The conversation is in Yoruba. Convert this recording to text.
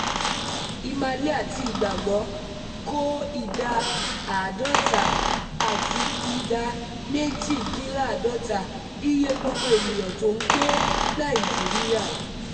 Ìmàle àti Ìgbàgbọ́ kó ìdá 50 àti ìdá 48 iye gbogbo ènìyàn t'ó ń gbé Nàìjíríà.